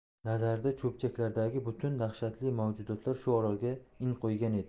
nazarida cho'pchaklardagi butun dahshatli mavjudotlar shu orolga in qo'ygan edi